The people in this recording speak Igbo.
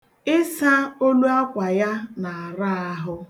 Ịsa oluakwa ya na-ara ahụ